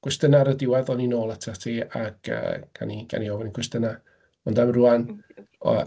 Gwestiynau ar y diwedd, ddawn i nôl atat ti, ac yy gawn ni gawn ni ofyn cwestiynau. Ond am rŵan, o-.